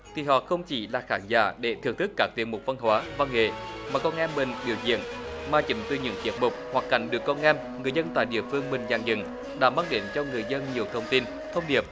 thì họ không chỉ là khán giả để thưởng thức các tiết mục văn hóa văn nghệ mà con em mình biểu diễn mà chính từ những tiết mục hoàn cảnh được con em người dân tại địa phương mình dàn dựng đã mang đến cho người dân nhiều thông tin thông điệp